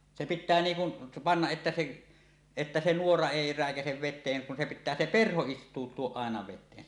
se pitää niin kuin panna että se että se nuora ei räikäise veteen kun se pitää se perho istuttaa aina veteen